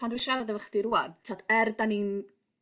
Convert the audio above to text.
pan dwi siarad efo chdi rwan t'od er 'dan ni'n...